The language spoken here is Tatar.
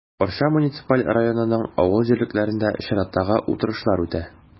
Арча муниципаль районының авыл җирлекләрендә чираттагы утырышлар үтә.